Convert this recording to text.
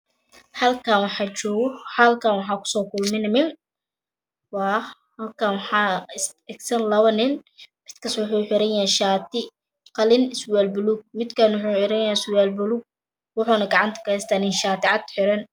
Halkaan waxaa jooga halkaan waxaku soo kulme niman halkaan waxaa istagsan lapa nin midkaas waxaa uu xiranyahay shaati qalin iyo surwaal puluug ah midkaana waxa uu xiranyahy surwaal puluug waxuuna gacta kahestaa nin shaaticad xiran